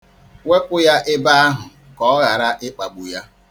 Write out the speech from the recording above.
Wepụ ya ebe ahụ, ka ọ ghara ịkpagbu ya.